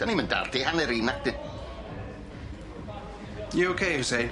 'Dan ni'm yn dallt ei hanner 'i nacdi? You ok, Hussein?